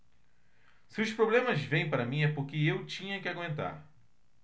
se os problemas vêm para mim é porque eu tinha que aguentar